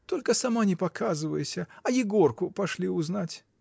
Только сама не показывайся, а Егорку пошли узнать.